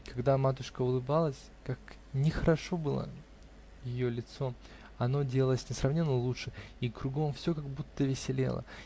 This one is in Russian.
Когда матушка улыбалась, как ни хорошо было ее лицо, оно делалось несравненно лучше, и кругом все как будто веселело.